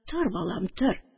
Тор, балам, тор